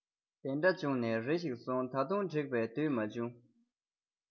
དེ འདྲ བྱུང ནས རེ ཞིག སོང ད དུང འགྲིག པའི དུས མ བྱུང